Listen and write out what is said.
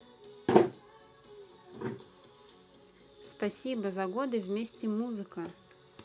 спасибо за годы вместе музыка